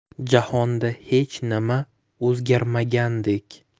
jahonda hech nima o'zgarmagandek